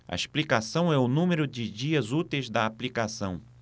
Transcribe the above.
a explicação é o número de dias úteis da aplicação